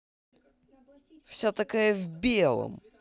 вся такая в белом